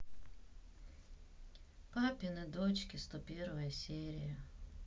папины дочки сто первая серия